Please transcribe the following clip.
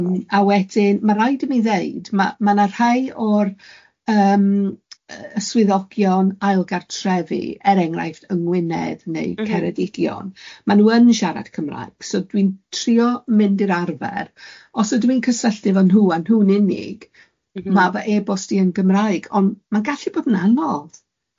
Yym a wedyn ma' raid i mi ddeud ma' ma' na rhai o'r yym y swyddogion ail-gartrefi, er enghraifft yngwynedd... M-hm. ...neu Ceredigion, ma' nhw yn siarad Cymraeg, so dwi'n trio mynd i'r arfer os ydw i'n cysylltu efo nhw a nhw'n unig... M-hm. ...ma' fy e-bost i yn Gymraeg, ond ma'n gallu bod yn anodd.